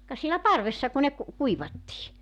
ka siellä parvessa kun ne - kuivattiin